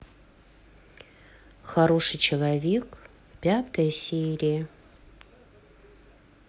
хороший человек пятая серия